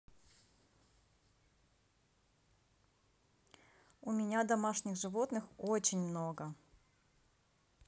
у меня домашних животных очень много